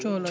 cóolóol